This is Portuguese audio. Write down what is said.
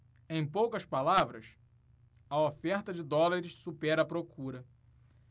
em poucas palavras a oferta de dólares supera a procura